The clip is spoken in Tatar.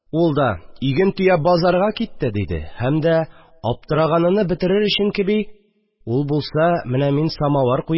Ул да: «Иген төяп, базарга китте», – диде һәм дә, аптыраганыны бетерер өчен кеби: «Ул булса, менә мин самавыр